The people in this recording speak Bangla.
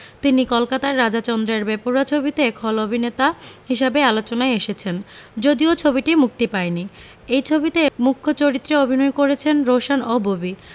তিনি কলকাতার রাজা চন্দ্রের বেপরোয়া ছবিতে খল অভিননেতা হিসেবে আলোচনায় এসেছেন যদিও ছবিটি মুক্তি পায়নি এই ছবিতে মূখ চরিত্রে অভিনয় করছেন রোশান ও ববি